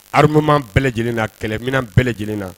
Armement bɛɛ lajɛlen na . Kɛlɛminan bɛɛ lajɛlen na